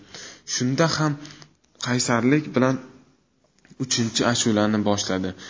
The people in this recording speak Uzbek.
shunda ham qaysarlik bilan uchinchi ashulani boshladi